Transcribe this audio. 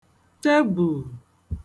tebùl